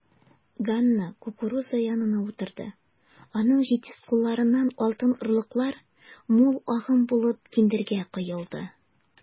Ганна кукуруза янына утырды, аның җитез кулларыннан алтын орлыклар мул агым булып киндергә коелды.